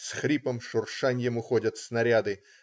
С хрипом, шуршаньем уходят снаряды.